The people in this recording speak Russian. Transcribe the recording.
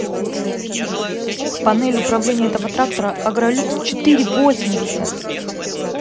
панель управления этого трактора агролюкс четыре восемьдесят